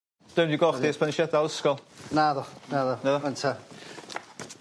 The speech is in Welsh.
Dwi'm 'di gweld chdi ers pan nesh i adal ysgol. Naddo naddo. Na? 'Wan 'ta.